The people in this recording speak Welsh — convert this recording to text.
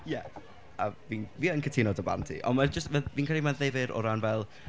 Ie, a fi'n, fi yn cytuno 'da barn ti. Ond mae jyst... mae'n... fi'n credu mae'n ddifyr o ran fel...